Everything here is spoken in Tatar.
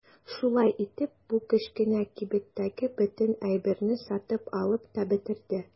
Шулай итеп бу кечкенә кибеттәге бөтен әйберне сатып алып та бетерде.